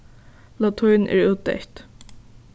latín er útdeytt